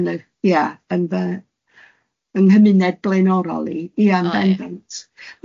Yn yn yn y ia yn fy yng nghymuned blaenorol i... O ia... ia yn bendant.